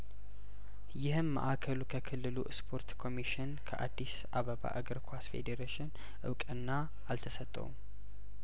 ይህም ማእከል ከክልሉ እስፖርት ኮሚሽን ከአዲስ አበባ እግር ኳስ ፌዴሬሽን እውቅና አልተሰጠውም